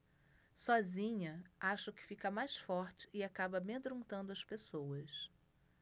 sozinha acha que fica mais forte e acaba amedrontando as pessoas